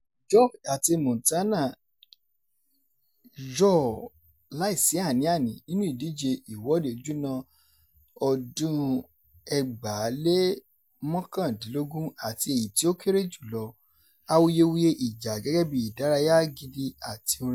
George àti Montano yô, láì sí àní-àní, nínú ìdíje Ìwọ́de Ojúná ọdún 2019 àti èyí tí ó kéré jù lọ, awuyewuye ìjà gẹ́gẹ́ bí ìdárayá gidi àti orin.